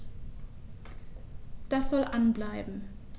Das soll an bleiben.